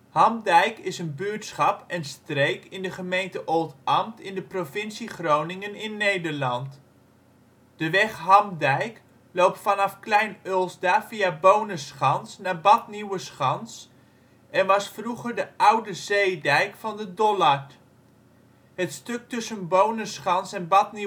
Hamdijk is een buurtschap en streek in de gemeente Oldambt in de provincie Groningen (Nederland). De weg Hamdijk loopt vanaf Klein-Ulsda via Booneschans naar Bad Nieuweschans en was vroeger de oude zeedijk van de Dollard. Het stuk tussen Booneschans en Bad Nieuweschans